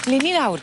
Ble 'yn ni nawr...